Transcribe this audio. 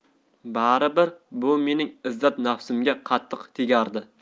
bari bir bu mening izzat nafsimga qattiq tegardi